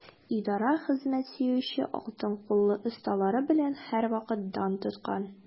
Идарә хезмәт сөюче, алтын куллы осталары белән һәрвакыт дан тоткан.